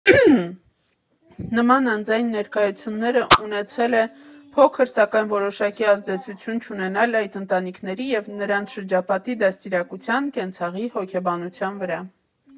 Նման անձանց ներկայությունները ունեցել է փոքր, սակայն որոշակի ազդեցություն չունենալ այդ ընտանիքների և նրանց շրջապատի դաստիարակության, կենցաղի, հոգեբանության վրա։